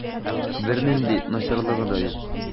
Бернинди начарлыгы да юк.